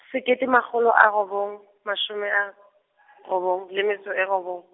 sekete makgolo a robong, mashome a, robong, le metso e robong.